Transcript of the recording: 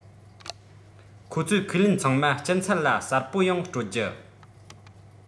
ཁོ ཚོས ཁས ལེན ཚང མ སྦྱིན ཚར ལ གསལ པོ ཡང སྤྲོད རྒྱུ